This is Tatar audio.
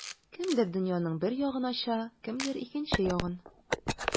Кемдер дөньяның бер ягын ача, кемдер икенче ягын.